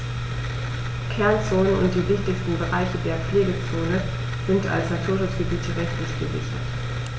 Kernzonen und die wichtigsten Bereiche der Pflegezone sind als Naturschutzgebiete rechtlich gesichert.